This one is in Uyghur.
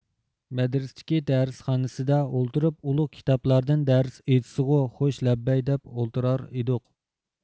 مەدرىستىكى دەرسخانىسىدا ئولتۇرۇپ ئۇلۇغ كىتابلاردىن دەرس ئېيتسىغۇ خوش لەببەي دەپ ئولتۇرار ئىدۇق